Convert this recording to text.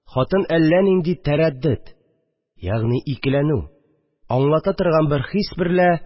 Хатын әллә нинди тәрәддед, ягъни икеләнү аңлата торган бер хис берлә